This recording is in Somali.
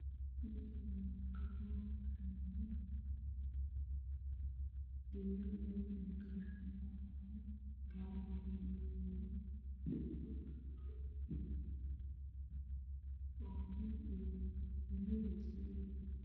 Meeshaam waa banaan Waxa yaalo gaari cadaan shulkana waa guduud iyo dimeeri isku jiro